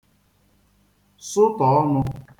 sụtọ̀ ọnụ̄